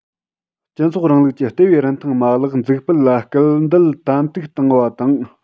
སྤྱི ཚོགས རིང ལུགས ཀྱི ལྟེ བའི རིན ཐང མ ལག འཛུགས སྤེལ ལ སྐུལ འདེད ཏན ཏིག བཏང བ དང